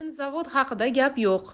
vinzavod haqida gap yo'q